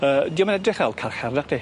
Yy, dio'm yn edrych fel carchar nacdi?